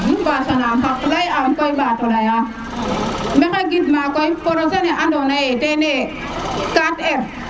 i nu mbasanan xaq ley am koy ɓato leya maxey gid ma koy projet ne ando naye te ne e 4R